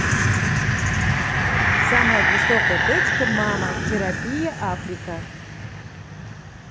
самая высокая точка мама терапия африка